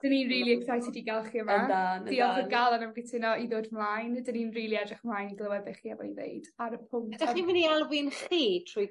'Dyn ni'n rili excited i ga'l chi yma. Yndan yndan. Diolch o galon am gytuno i ddod mlaen 'dyn ni'n rili edrych ymlaen i glywed be' chi efo i ddeud ar y pwnc y m-... 'Dych chi myn' i alw fi'n chi trwy